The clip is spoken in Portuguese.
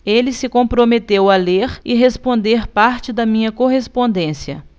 ele se comprometeu a ler e responder parte da minha correspondência